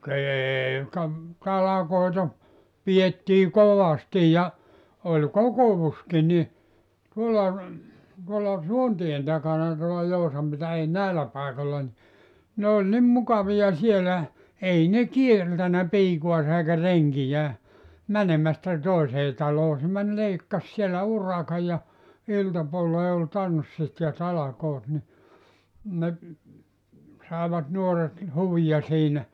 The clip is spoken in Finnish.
ka ei ka talkoita pidettiin kovasti ja oli kokouskin niin tuolla tuolla Suontien takana tuolla Joutsan - ei näillä paikoilla niin ne oli niin mukavia siellä ei ne kieltänyt piikaansa eikä renkiään menemästä toiseen taloon se meni leikkasi siellä urakan ja iltapuoleen oli tanssit ja talkoot niin ne saivat nuoret huvia siinä